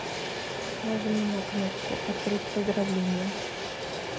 нажми на кнопку открыть поздравление